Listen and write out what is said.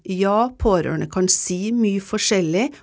ja pårørende kan si mye forskjellig.